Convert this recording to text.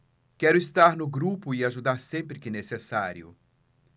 quero estar no grupo e ajudar sempre que necessário